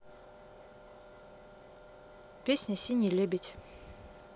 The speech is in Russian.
песня синий лебедь